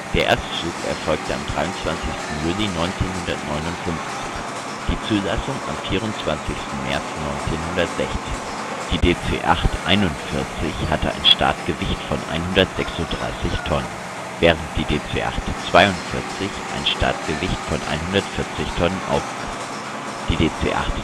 Erstflug erfolgte am 23. Juli 1959, die Zulassung am 24. März 1960. Die DC-8-41 hatte ein Startgewicht von 136 Tonnen, während die DC-8-42 ein Startgewicht von 140 Tonnen aufwies. Die DC-8-43